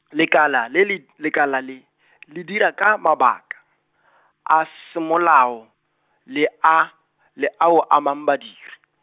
lekala le le, lekala le , le dira ka mabaka , a semolao, le a, le a o amang badiri.